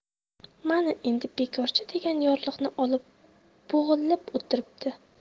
mana endi bekorchi degan yorliqni olib bo'g'ilib o'tiribdi